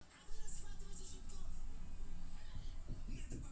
но по моему не повысили